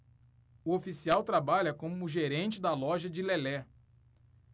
o oficial trabalha como gerente da loja de lelé